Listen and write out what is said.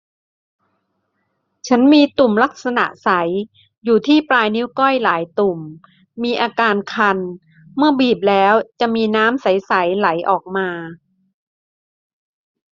ฉันมีตุ่มลักษณะใสอยู่ที่ปลายนิ้วก้อยหลายตุ่มมีอาการคันเมื่อบีบแล้วจะมีน้ำใสใสไหลออกมา